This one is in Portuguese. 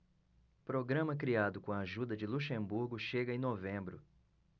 programa criado com a ajuda de luxemburgo chega em novembro